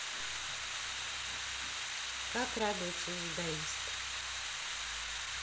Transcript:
как радуется дзюдоист